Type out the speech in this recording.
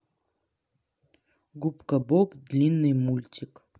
губка боб длинный мультик